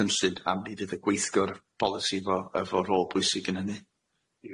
cynllun am by' fydd y gweithgor polisi fo efo rôl pwysig yn hynny.